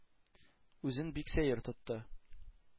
Үзен бик сәер тотты.